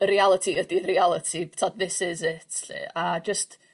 y realiti ydi realiti t'od this is it 'lly a jyst...